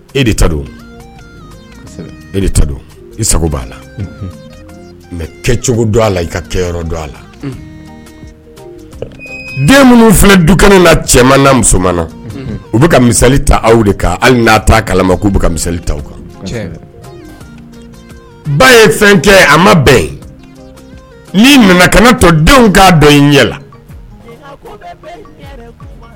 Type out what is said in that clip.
E e i b' la mɛ kɛcogo don a la i ka kɛyɔrɔ don a la den minnu filɛ du kelen na cɛman musoman u bɛ ka misali ta aw de kan aw n'a ta kala ma k'u bɛ ka mili ta kan ba ye fɛn kɛ a ma bɛɛ ye n'i nana kana tɔ denw k'a dɔn i ɲɛ la